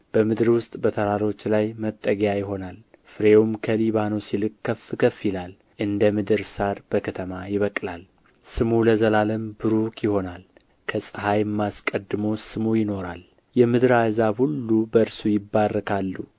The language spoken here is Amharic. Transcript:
በምድር ውስጥ በተራሮች ላይ መጠጊያ ይሆናል ፍሬውም ከሊባኖስ ይልቅ ከፍ ከፍ ይላል እንደ ምድር ሣር በከተማ ይበቅላል ስሙ ለዘላለም ቡሩክ ይሆናል ከፀሐይም አስቀድሞ ስሙ ይኖራል የምድር